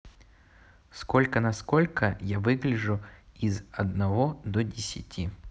сколько на сколько я выгляжу из одного до десяти